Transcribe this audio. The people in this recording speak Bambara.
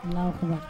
Alahu akibaru.